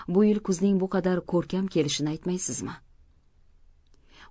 bu yil kuzning bu qadar ko'rkam kelishini aytmaysizmi